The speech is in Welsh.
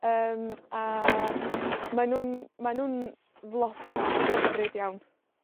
Yym, a, ma' nw'n ma' nw'n floda hyfryd iawn.